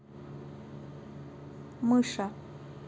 мыша